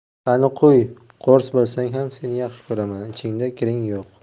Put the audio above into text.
qani quy qo'rs bo'lsang ham seni yaxshi ko'raman ichingda kiring yo'q